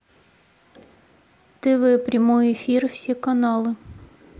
тв прямой эфир все каналы